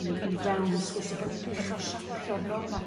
i i fewn i'r sgrws a bo' ni'n dechra' siapio'r norma'